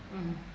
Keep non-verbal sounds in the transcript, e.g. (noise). (hesitation) (hesitation)